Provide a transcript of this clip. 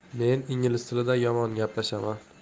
men ingliz tilida yomon gaplashaman